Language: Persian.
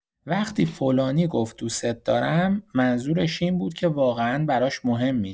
وقتی فلانی گفت "دوستت دارم"، منظورش این بود که واقعا براش مهمی!